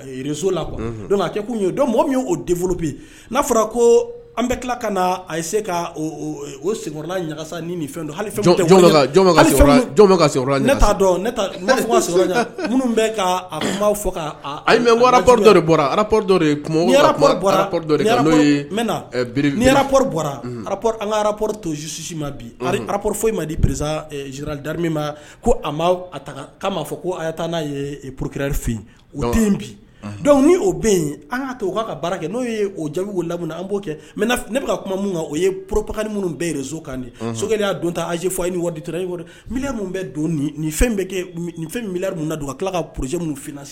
Z la don ye dɔn mɔgɔ min ye'o bɛ n'a fɔra ko an bɛ tila ka na a se ka o senla ɲagakasa ni min fɛn don hali fɛn minnu bɛ' kuma fɔ' mɛn ara nip bɔra arap an arapo tosi ma bi ali arap foyi ma dierezrali da ma ko a' a ta k' ma fɔ ko a taa n'a porokre fɛ yen o den bi dɔnku ni' o bɛ yen an ka to k'a ka baara kɛ n'o ye o jaw la an b'o ne bɛka ka kuma min kan o ye ppkan minnu bɛɛo kan sokɛ y' don ta az fɔ i nidi i mi minnu bɛ don fɛn bɛ nin fɛn mi ninnu na don ka tila ka poroze ninnu fna sisan